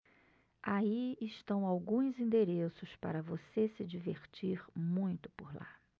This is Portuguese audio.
aí estão alguns endereços para você se divertir muito por lá